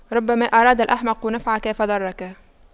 ربما أراد الأحمق نفعك فضرك